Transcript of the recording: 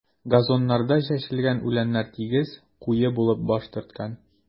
Газоннарда чәчелгән үләннәр тигез, куе булып баш төрткән.